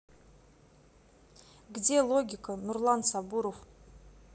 где логика нурлан сабуров